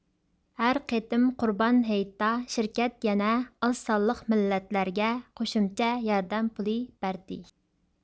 ھەر قېتىم قۇربان ھېيتتا شىركەت يەنە ئاز سانلىق مىللەتلەرگە قوشۇمچە ياردەم پۇلى بەردى